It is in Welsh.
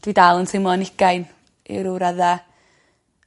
Dwi dal yn teimlo'n ugain i ryw radde.